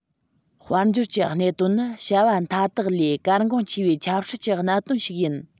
དཔལ འབྱོར གྱི གནད དོན ནི བྱ བ མཐའ དག ལས གལ འགངས ཆེ བའི ཆབ སྲིད ཀྱི གནད དོན ཞིག ཡིན